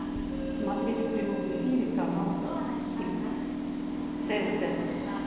смотреть в прямом эфире канал тнт